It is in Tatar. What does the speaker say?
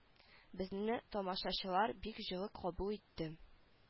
Безне тамашачылар бик җылы кабул итте